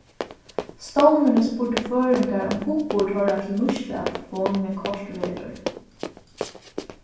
stovnurin spurdi føroyingar um hugburð teirra til nýtslu av telefon meðan koyrt verður